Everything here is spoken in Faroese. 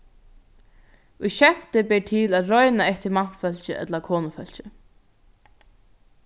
í skemti ber til at royna eftir mannfólki ella konufólki